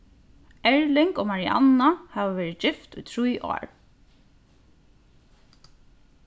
erling og marianna hava verið gift í trý ár